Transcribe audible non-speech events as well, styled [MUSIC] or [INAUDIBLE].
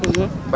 [CROSSTALK] [HESITATION] [HESITATION]